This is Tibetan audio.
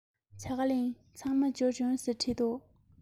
ཇ ག ལི ཚང མ འབྱོར བྱུང